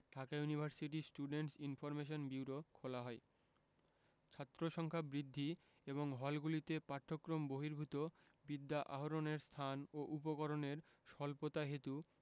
Dhaka university students information bureau খোলা হয় ছাত্রসংখ্যা বৃদ্ধি এবং হলগুলিতে পাঠক্রম বহির্ভূত বিদ্যা আহরণের স্থান ও উপকরণের স্বল্পতাহেতু